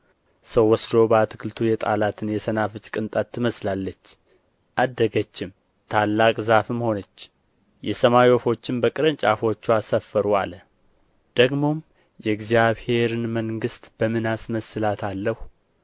ሰው ወስዶ በአትክልቱ የጣላትን የሰናፍጭ ቅንጣት ትመስላለች አደገችም ታላቅ ዛፍም ሆነች የሰማይ ወፎችም በቅርንጫፎችዋ ሰፈሩ አለ ደግሞም የእግዚአብሔርን መንግሥት በምን አስመስላታለሁ